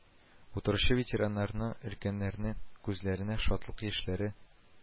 Утыручы ветераннарның, өлкәннәрнең күзләренә шатлык яшьләре